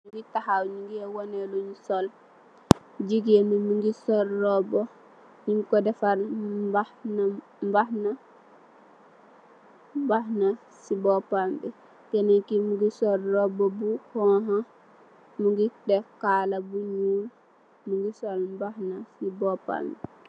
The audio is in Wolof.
Munge tahaw d wane lum sul gigeen bi munge sul robu daf weeg sibu pambi genen ki munge sul robu bu xong khu munge def kalabu nyul munge sul mbakhana si bopam bi